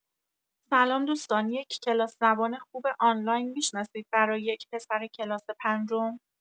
سلام دوستان یک کلاس زبان خوب آنلاین می‌شناسید برا یک پسر کلاس پنجم؟